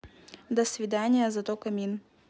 до свидания зато камин